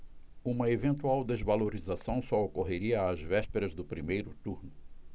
uma eventual desvalorização só ocorreria às vésperas do primeiro turno